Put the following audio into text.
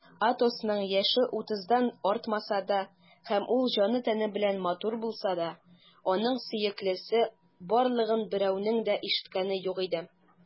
Атосның яше утыздан артмаса да һәм ул җаны-тәне белән матур булса да, аның сөеклесе барлыгын берәүнең дә ишеткәне юк иде.